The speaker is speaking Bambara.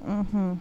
Unhun